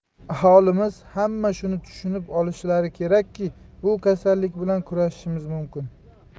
aholimiz ham shuni tushunib olishlari kerakki bu kasallik bilan kurashishimiz mumkin